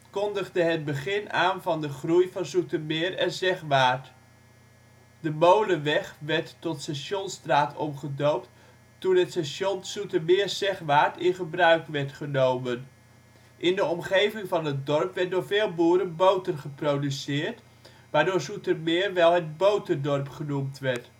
kondigde het begin aan van de groei van Zoetermeer en Zegwaart. De Molenweg werd tot Stationsstraat omgedoopt toen het station ' Soetermeer-Zegwaart ' in gebruik werd genomen. In de omgeving van het dorp werd door veel boeren boter geproduceerd, waardoor Zoetermeer wel het Boterdorp genoemd werd